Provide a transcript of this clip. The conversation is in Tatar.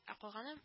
Ә калганы